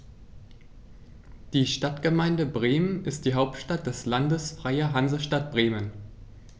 Die Stadtgemeinde Bremen ist die Hauptstadt des Landes Freie Hansestadt Bremen.